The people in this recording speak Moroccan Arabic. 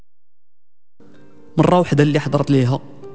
نروح ذا اللي حضرت لي هو